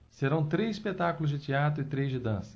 serão três espetáculos de teatro e três de dança